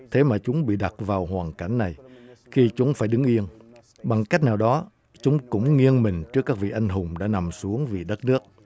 thế mà chúng bị đặt vào hoàn cảnh này khi chúng phải đứng yên bằng cách nào đó chúng cũng nghiêng mình trước các vị anh hùng đã nằm xuống vì đất nước